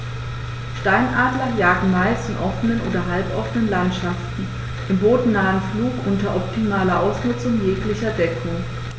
Steinadler jagen meist in offenen oder halboffenen Landschaften im bodennahen Flug unter optimaler Ausnutzung jeglicher Deckung.